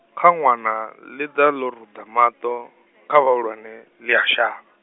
kha ṅwana, ḽi da ḽo ruḓa maṱo, kha vhahulwane ḽia shavha.